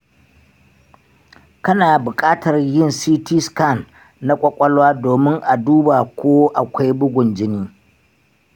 kana buƙatar yin ct scan na ƙwaƙwalwa domin a duba ko akwai bugun jini .